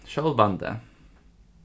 sjálvandi